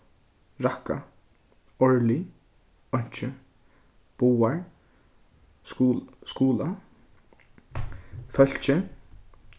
rakka árlig einki báðar skula fólki